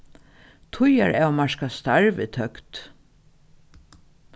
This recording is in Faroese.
tíðaravmarkað starv er tøkt